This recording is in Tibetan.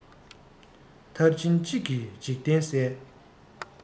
མཐར ཕྱིན གཅིག གིས འཇིག རྟེན གསལ